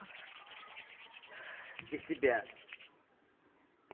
без тебя